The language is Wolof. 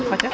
ayca